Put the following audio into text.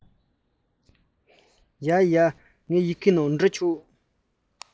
ཡོང ང ངས ཡིག ལན ནང བྲིས ཆོག